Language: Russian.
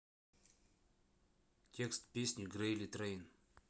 текст песни грейли трейн